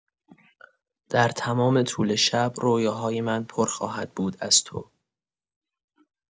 در تمام طول شب رویاهای من پر خواهد بود از تو!